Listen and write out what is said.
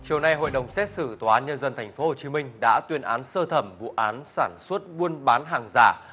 chiều nay hội đồng xét xử tòa án nhân dân thành phố hồ chí minh đã tuyên án sơ thẩm vụ án sản xuất buôn bán hàng giả